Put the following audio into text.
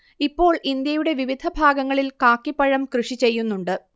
ഇപ്പോൾ ഇന്ത്യയുടെ വിവിധ ഭാഗങളിൽ കാക്കിപ്പഴം കൃഷി ചെയ്യുന്നുണ്ട്